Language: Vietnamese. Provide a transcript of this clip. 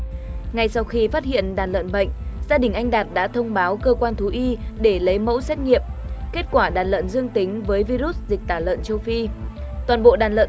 ngay sau khi phát hiện đàn lợn bệnh gia đình anh đạt đã thông báo cơ quan thú y để lấy mẫu xét nghiệm kết quả đàn lợn dương tính với vi rút dịch tả lợn châu phi toàn bộ đàn lợn